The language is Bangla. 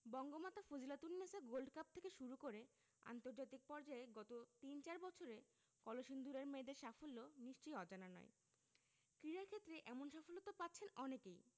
বঙ্গমাতা ফজিলাতুন্নেছা গোল্ড কাপ থেকে শুরু করে আন্তর্জাতিক পর্যায়ে গত তিন চার বছরে কলসিন্দুরের মেয়েদের সাফল্য নিশ্চয়ই অজানা নয় ক্রীড়াক্ষেত্রে এমন সাফল্য তো পাচ্ছেন অনেকেই